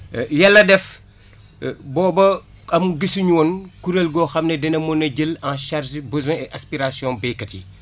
yàlla def booba am gisuñu woon kuréel goo xam ne dina mun a jël en charge besoins et aspirations béykat yi